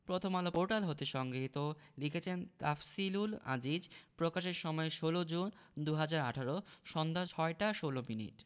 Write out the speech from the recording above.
Prothom Alo portal হতে সংগৃহীত লিখেছেন তাফসিলুল আজিজ প্রকাশের সময় ১৬জুন ২০১৮ সন্ধ্যা ৬টা ১৬ মিনিট